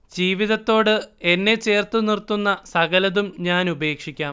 ജീവിതത്തോട് എന്നെ ചേർത്തു നിർത്തുന്ന സകലതും ഞാനുപേക്ഷിക്കാം